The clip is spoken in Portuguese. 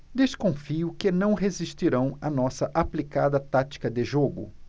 desconfio que não resistirão à nossa aplicada tática de jogo